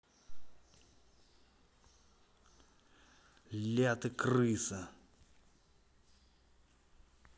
ля ты крыса